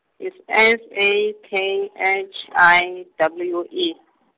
its S A K H I W E.